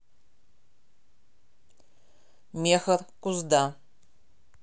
мехр кузда